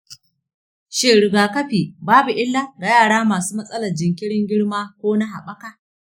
shin riga-kafi babu illa ga yara masu matsalar jinkirin girma ko na haɓaka?